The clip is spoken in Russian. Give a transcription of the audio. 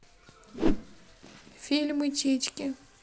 фильмы титьки